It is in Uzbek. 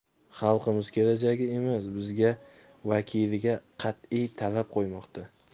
xalqimiz kechagi emas bizga vakiliga qat'iy talab qo'ymoqda